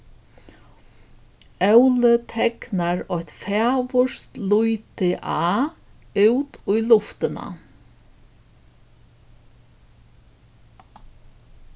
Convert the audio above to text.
óli teknar eitt fagurt lítið a út í luftina